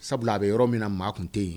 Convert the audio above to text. Sabula a bɛ yɔrɔ min na maa tun tɛ yen